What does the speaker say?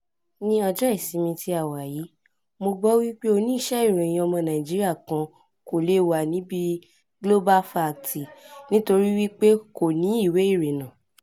Ní ọjọ́ ìsinmi tí a wà yìí, mo gbọ́ wípé oníṣẹ́-ìròyìn ọmọ Nàìjíríà kan kò le è wà níbí GlobalFact nítorí wípé kò ní ìwé ìrìnnà.